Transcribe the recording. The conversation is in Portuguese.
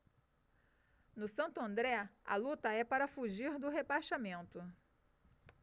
no santo andré a luta é para fugir do rebaixamento